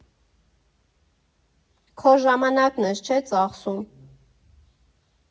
Քո ժամանակն ես չէ՞ ծախսում։